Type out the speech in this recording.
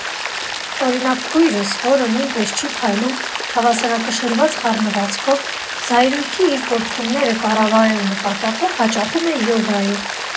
Օրինակ՝ քույրս, որը նույնպես չի փայլում հավասարակշռված խառնվածքով, զայրույթի իր պոռթկումները կառավարելու նպատակով հաճախում է յոգայի։